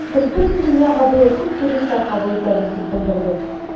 Без бөтен дөньяга быел күп туристлар кабул итәбез дип белдердек.